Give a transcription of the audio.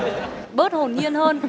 bớt hồn nhiên hơn